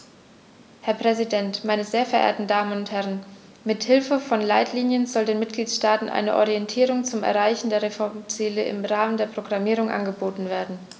Herr Präsident, meine sehr verehrten Damen und Herren, mit Hilfe von Leitlinien soll den Mitgliedstaaten eine Orientierung zum Erreichen der Reformziele im Rahmen der Programmierung angeboten werden.